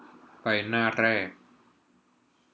ไปหน้าแรก